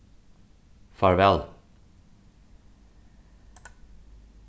farvæl